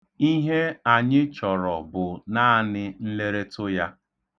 Ihe anyị chọrọ bụ naanị nleretụ ya.